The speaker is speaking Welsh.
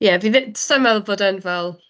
Ie, fi ddim, 'sa i'n meddwl bod o'n fel,